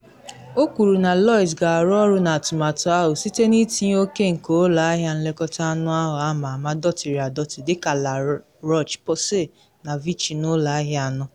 O kwuru na Lloyds ga-arụ ọrụ n’atụmatụ ahụ, site na itinye oke nke ụlọ ahịa nlekọta anụahụ ama ama dọtịrị adọtị dị ka La Roche-Posay na Vichy n’ụlọ ahịa anọ.